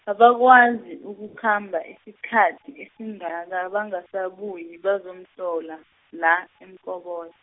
abakwazi ukukhamba isikhathi esingaka bangasabuyi bazomhlola, la, eMkobol-.